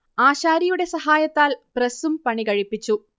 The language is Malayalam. ആശാരിയുടെ സഹായത്താൽ പ്രസ്സും പണികഴിപ്പിച്ചു